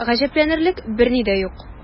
Гаҗәпләнерлек берни дә юк.